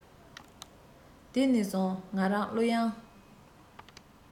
དེ ནས བཟུང ང རང གླུ དབྱངས